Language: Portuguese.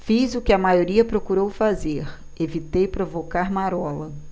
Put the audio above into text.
fiz o que a maioria procurou fazer evitei provocar marola